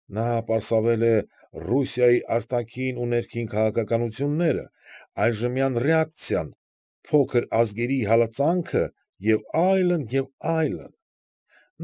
Նա պարսավել է Ռուսիայի արտաքին ու ներքին քաղաքականությունները, այժմյան ռեակցիան, փոքր ազգերի հալածանքը և այլն, և այլն։